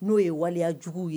N'o ye waleyajuguw ye